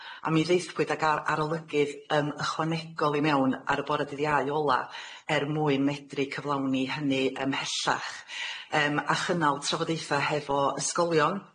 a mi ddeuthpwyd ag ar- arolygydd yym ychwanegol i mewn ar y bora dydd Iau ola er mwyn medru cyflawni hynny ymhellach, yym a chynnal trafodaetha hefo ysgolion.